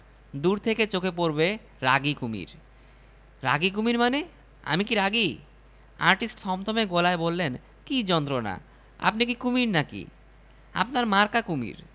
দূর থেকে চোখে পড়বে রাগী কুমীর রাগী কুমীর শানে আমি কি রাগী আর্টিস্ট থমথমে গলায় বললেন কি যন্ত্রণা আপনি কি কুমীর না কি আপনার মারকা কুমীর